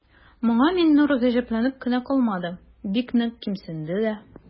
Моңа Миңнур гаҗәпләнеп кенә калмады, бик нык кимсенде дә.